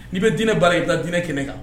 N'i bɛ diinɛ baara i ka diinɛ kɛnɛ kan